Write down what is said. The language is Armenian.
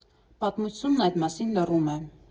Պատմությունն այդ մասին լռում է։